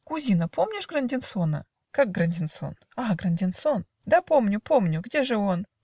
Кузина, помнишь Грандисона?" - Как, Грандисон?. а, Грандисон! Да, помню, помню. Где же он?